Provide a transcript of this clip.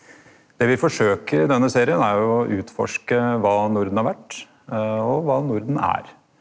det vi forsøker i denne serien er jo å utforske kva Norden har vore og kva Norden er.